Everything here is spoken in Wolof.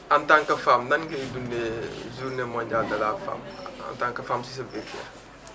en tant que femme nan ngay dundee journée mondiale de femme en tant que femme ci sa biir kër